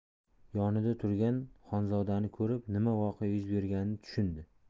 yonida turgan xonzodani ko'rib nima voqea yuz berganini tushundi